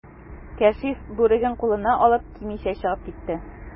Кәшиф, бүреген кулына алып, кимичә чыгып китте.